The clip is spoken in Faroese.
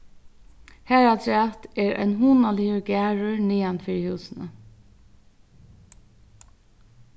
harafturat er ein hugnaligur garður niðan fyri húsini